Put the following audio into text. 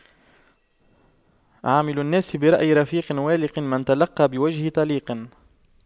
عامل الناس برأي رفيق والق من تلقى بوجه طليق